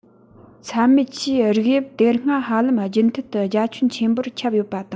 ཚྭ མེད ཆུའི རིགས དབྱིབས དེ སྔ ཧ ལམ རྒྱུན མཐུད དུ རྒྱ ཁྱོན ཆེན པོར ཁྱབ ཡོད པ དང